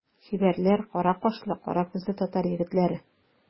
Чибәрләр, кара кашлы, кара күзле таза татар егетләре.